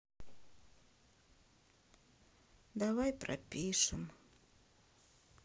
давай пропишем